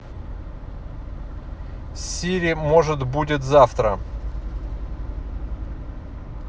сири может будет завтра